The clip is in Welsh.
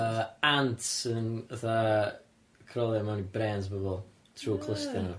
Yy Ants sy'n fatha crawlio mewn i brêns bobol trw clustia' nw.